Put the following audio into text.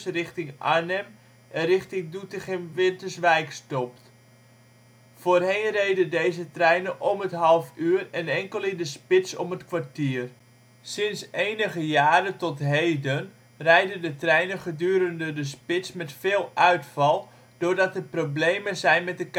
richting Arnhem en richting Doetinchem/Winterswijk stopt. Voorheen reden deze treinen om het half uur en enkel in de spits om het kwartier. Sinds enige jaren tot heden (2009) rijden de treinen gedurende de spits met veel uitval doordat er problemen zijn met de capaciteit